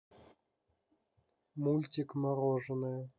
мультик мороженное